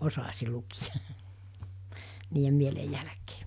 osasin lukea niiden mielen jälkeen